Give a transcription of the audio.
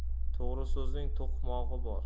to'g'ri so'zning to'qmog'i bor